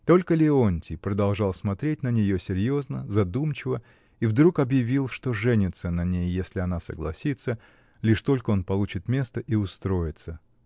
Только Леонтий продолжал смотреть на нее серьезно, задумчиво и вдруг объявил, что женится на ней, если она согласится, лишь только он получит место и устроится.